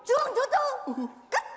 chương thứ tư cắt